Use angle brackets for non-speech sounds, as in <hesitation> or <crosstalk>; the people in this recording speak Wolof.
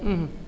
<hesitation> <hesitation>